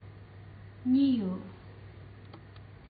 གཉིས ཡོད